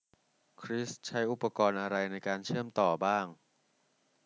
คริสใช้อุปกรณ์อะไรในการเชื่อมต่อบ้าง